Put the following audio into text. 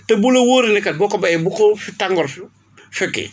te bu la wóoree ni que boo ko béyee bu ko fi tàngoor fekkee